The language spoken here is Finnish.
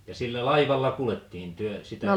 ja sillä laivalla kuljettiin te sitä